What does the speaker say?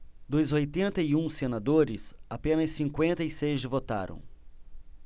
dos oitenta e um senadores apenas cinquenta e seis votaram